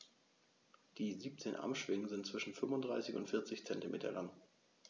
Die 17 Armschwingen sind zwischen 35 und 40 cm lang.